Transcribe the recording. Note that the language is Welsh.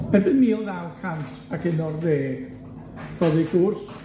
Erbyn mil naw cant ac un or ddeg, ro'dd 'i gwrs